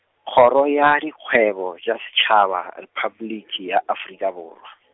Kgoro ya Dikgwebo, tša Setšhaba, Repabliki ya Afrika Borwa .